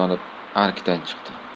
otlanib arkdan chiqdi